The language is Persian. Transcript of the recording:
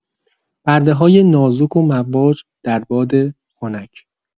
پرده‌های نازک و مواج در باد خنک